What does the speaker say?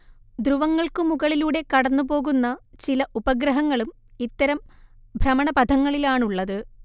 ധ്രുവങ്ങൾക്കു മുകളിലൂടെ കടന്നുപോകുന്ന ചില ഉപഗ്രഹങ്ങളും ഇത്തരം ഭ്രമണപഥങ്ങളിലാണുള്ളതു്